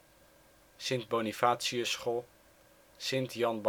Bonifaciusschool St. Jan Baptistschool